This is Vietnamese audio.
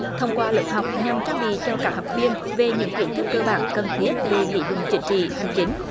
thông qua lớp học nhằm trang bị cho các học viên về những kiến thức cơ bản cần thiết về lý luận chính trị hành chính